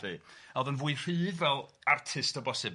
Oedd o'n fwy rhydd fel artist o bosib.